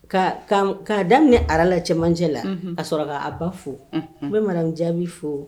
Ka k'a daminɛ ala cɛmancɛ la a sɔrɔ kaa ba fo u bɛ jaabi fo